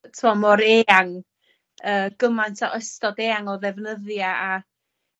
yy t'mo' mor eang yy gymaint o ystod eang o ddefnyddia a